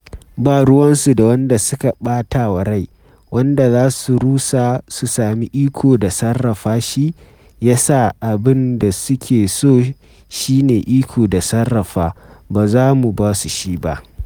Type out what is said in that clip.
Ba ruwansu da wanda suka ɓata wa rai, wanda za su rusa su sami iko da sarrafa, shi ya sa abin da suke so shi ne iko da sarrafa, ba za mu ba su shi ba.”